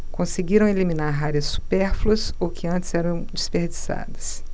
conseguiram eliminar áreas supérfluas ou que antes eram desperdiçadas